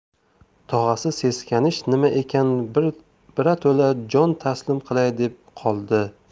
tog'asi seskanish nima ekan birato'la jon taslim qilay deb qoldi